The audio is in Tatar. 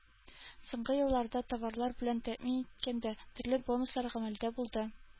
Соңгы елларда товарлар белән тәэмин иткәндә төрле бонуслар гамәлдә булды